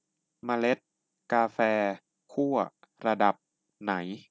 เมล็ดกาแฟคั่วระดับไหน